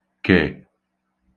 kè